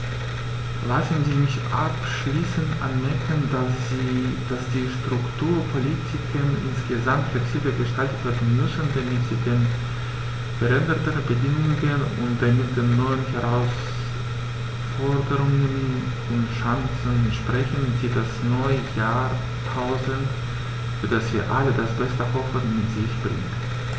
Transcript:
Lassen Sie mich abschließend anmerken, dass die Strukturpolitiken insgesamt flexibler gestaltet werden müssen, damit sie den veränderten Bedingungen und damit den neuen Herausforderungen und Chancen entsprechen, die das neue Jahrtausend, für das wir alle das Beste hoffen, mit sich bringt.